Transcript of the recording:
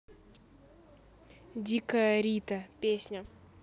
дикая рита песня